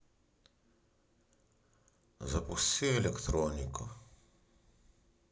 запусти электронику